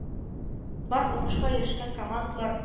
Бар уңышка ирешкән командалар